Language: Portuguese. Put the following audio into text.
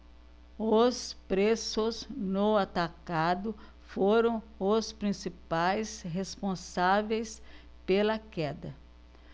os preços no atacado foram os principais responsáveis pela queda